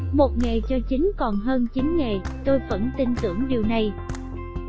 một nghề cho chín còn hơn chín nghề tôi vẫn tin tưởng điều này